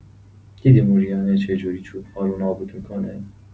دیدی موریانه چجوری چوب‌ها رو نابود می‌کنه؟